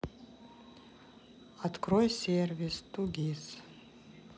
открой сервис ту гис